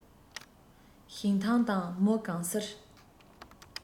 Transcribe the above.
ཞིང ཐང དང མུ གང སར